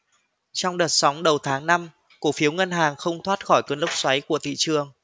trong đợt sóng đầu tháng năm cổ phiếu ngân hàng không thoát khỏi cơn lốc xoáy của thị trường